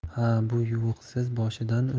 ha bu yuvuqsiz boshidan